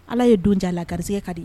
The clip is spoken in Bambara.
Ala ye donja la gari ka di